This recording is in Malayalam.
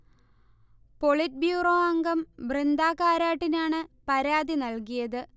പൊളിറ്റ്ബ്യൂറോ അംഗം ബൃന്ദാ കാരാട്ടിനാണ് പരാതി നൽകിയത്